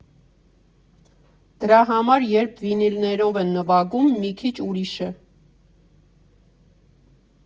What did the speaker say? Դրա համար, երբ վինիլներով են նվագում, մի քիչ ուրիշ է։